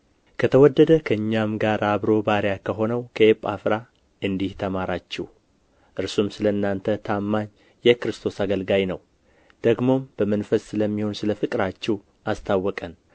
ከተወደደ ከእኛም ጋር አብሮ ባሪያ ከሆነው ከኤጳፍራ እንዲህ ተማራችሁ እርሱም ስለ እናንተ ታማኝ የክርስቶስ አገልጋይ ነው ደግሞም በመንፈስ ስለሚሆን ስለ ፍቅራችሁ አስታወቀን